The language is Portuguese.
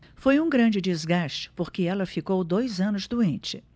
foi um grande desgaste porque ela ficou dois anos doente